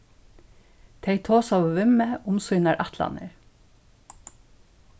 tey tosaðu við meg um sínar ætlanir